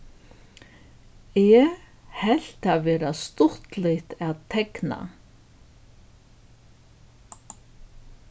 eg helt tað vera stuttligt at tekna